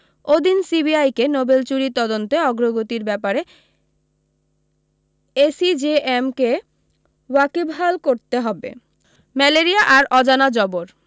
ওদিন সিবিআইকে নোবেল চুরির তদন্তে অগ্রগতির ব্যাপারে এসিজেএমকে ওয়াকিবহাল করতে হবে ম্যালেরিয়া আর অজানা জবর